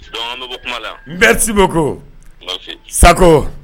Donc an bɛ bɔ kuma la yan, merci beaucoup, Sakɔ.